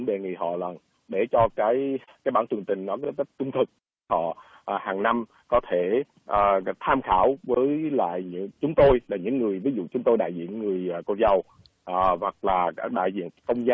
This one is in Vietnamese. đề nghi họ là để cho cái cái bản tường trình trung thực họ hàng năm có thể tham khảo với lại chúng tôi là những người ví dụ chúng tôi đại diện người công dầu ờ hoặc là đại diện công giáo